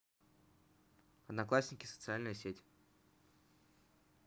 одноклассники социальная сеть